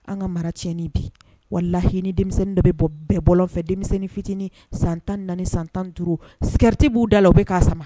An ka mara tii bi wala lahini denmisɛnnin dɔ bɛ bɔ bɛɛ bɔlɔnfɛ denmisɛnnin fitinin san tan naani san tan duuruuru sɛgɛrɛti b'u da la o bɛ k'a sama